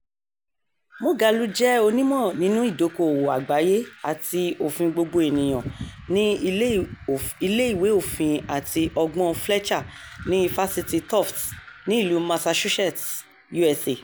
Moghalu jẹ́ onímọ̀ nínú ìdókòwò àgbáyé àti òfin gbogbo ènìyàn ní ilé ìwé Òfin àti Ọgbọ́n Fletcher ní Ifásitì Tufts ní Massachusetts, USA.